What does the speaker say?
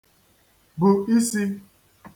bù isi